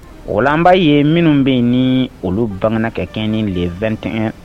O anba ye minnu bɛ yen ni olu bamanankɛ kɛ ni le2ɛn